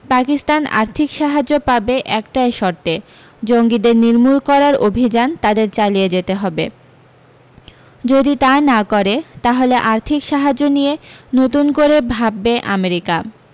পাকিস্তান আর্থিক সাহায্য পাবে একটাই শর্তে জঙ্গিদের নির্মুল করার অভি্যান তাদের চালিয়ে যেতে হবে যদি তা না করে তাহলে আর্থিক সাহায্য নিয়ে নতুন করে ভাব্বে আমেরিকা